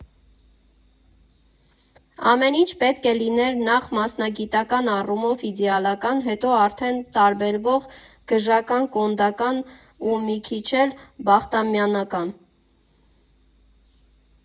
Ամեն ինչ պետք է լիներ նախ մասնագիտական առումով իդեալական, հետո արդեն տարբերվող, գժական, կոնդական ու մի քիչ էլ բախտամյանական։